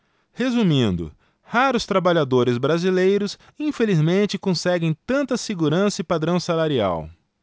resumindo raros trabalhadores brasileiros infelizmente conseguem tanta segurança e padrão salarial